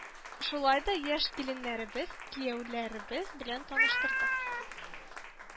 Шулай да, яшь киленнәребез, кияүләребез белән таныштырдык